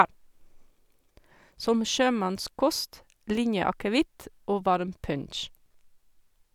Som sjømannskost, linjeakevitt og varm punsj.